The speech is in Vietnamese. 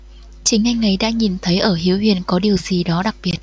chính anh ấy đã nhìn thấy ở hiếu hiền có điều gì đó đặc biệt